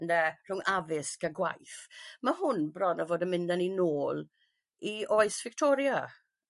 ynde rhwng addysg a gwaith ma' hwn bron a fod yn mynd a ni nôl i oes Victoria.